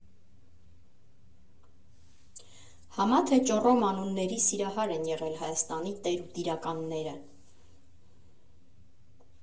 Համա թե ճոռոմ անունների սիրահար են եղել Հայաստանի տեր ու տիրականները։